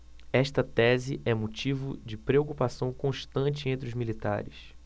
esta tese é motivo de preocupação constante entre os militares